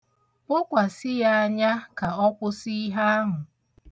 Bokwasị ya anya ka ọ kwusị ihe ahụ.